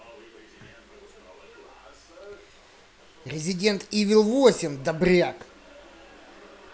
resident evil восемь добряк